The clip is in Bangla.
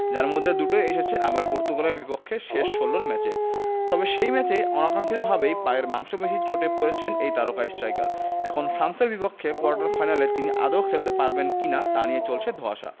যার মধ্যে দুটোই এসেছে আবার পর্তুগালের বিপক্ষে শেষ ষোলোর ম্যাচে তবে সেই ম্যাচেই অনাকাঙ্ক্ষিতভাবে পায়ের মাংসপেশির চোটে পড়েছেন এই তারকা স্ট্রাইকার এখন ফ্রান্সের বিপক্ষে কোয়ার্টার ফাইনালে তিনি আদৌ খেলতে পারবেন কি না তা নিয়ে চলছে ধোঁয়াশা